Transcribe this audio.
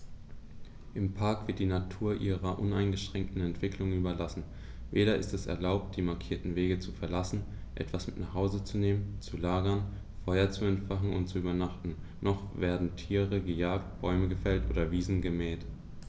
Im Park wird die Natur ihrer uneingeschränkten Entwicklung überlassen; weder ist es erlaubt, die markierten Wege zu verlassen, etwas mit nach Hause zu nehmen, zu lagern, Feuer zu entfachen und zu übernachten, noch werden Tiere gejagt, Bäume gefällt oder Wiesen gemäht.